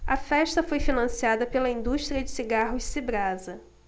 a festa foi financiada pela indústria de cigarros cibrasa